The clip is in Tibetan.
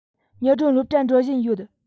ཉི སྒྲོན སློབ གྲྭར འགྲོ བཞིན ཡོད